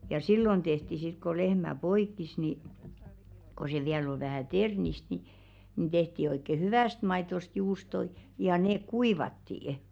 ja silloin tehtiin sitten kun lehmä poiki niin kun se vielä oli vähän ternistä niin niin tehtiin oikein hyvästä maidosta juustoja ja ne kuivattiin